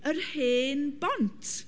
yr hen bont.